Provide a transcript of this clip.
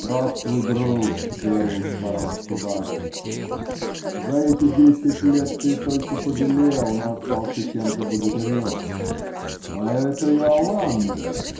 -- Здравствуй, друг, -- говорил барон Тебальдо, -- за эти десять лет ты только побелел, но остался тем же богатырем. А это Иоланда?